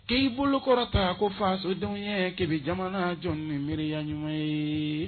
K'i bolo kɔrɔ ta ko fa sodenw ye kɛmɛ jamana jɔn nibereya ɲuman ye